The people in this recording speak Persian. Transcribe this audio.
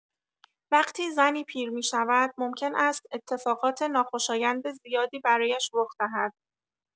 وقتی زنی پیر می‌شود، ممکن است اتفاقات ناخوشایند زیادی برایش رخ دهد.